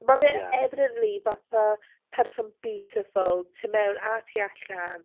Ma fe... ie ...evidently fatha person beautiful tu mewn a tu allan.